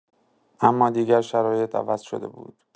اما دیگر شرایط عوض شده بود.